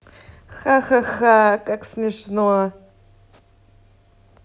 ха ха ха ха как смешно